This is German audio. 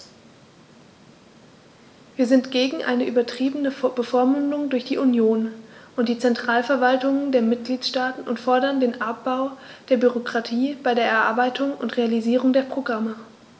Wir sind gegen eine übertriebene Bevormundung durch die Union und die Zentralverwaltungen der Mitgliedstaaten und fordern den Abbau der Bürokratie bei der Erarbeitung und Realisierung der Programme.